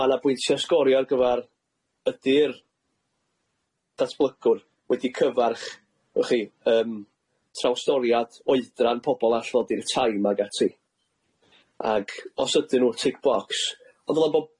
Ma' na bwyntia sgoria ar gyfar ydi'r datblygwr wedi cyfarch w'ch chi yym trawstoriad oedran pobol all ddod i'r time ag ati ag os ydyn nw tick box ond o'dda bo'